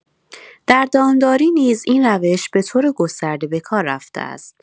در دامداری نیز این روش به‌طور گسترده به کار رفته است.